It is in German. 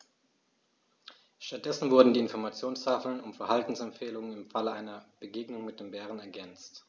Stattdessen wurden die Informationstafeln um Verhaltensempfehlungen im Falle einer Begegnung mit dem Bären ergänzt.